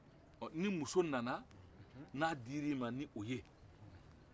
ɔ ni muso nana n'a dir'i ma ni o ye